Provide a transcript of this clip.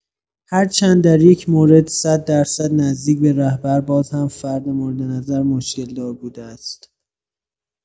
هرچند در یک مورد ۱۰۰ درصد نزدیک به رهبر، باز هم فرد مورد نظر مشکل‌دار بوده است.